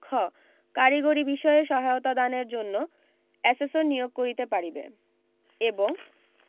খ কারিগরি বিষয়ে সহায়তাদানের জন্য এসেসর নিয়োগ করিতে পারিবে এবং